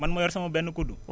man ma yor sama benn kudd